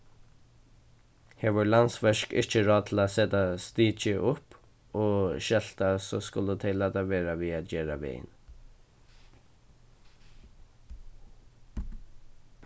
hevur landsverk ikki ráð til at seta stikið upp og skelta so skulu tey lata vera við at gera vegin